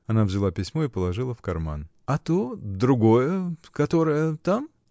Она взяла письмо и положила в карман. — А то, другое, которое там?.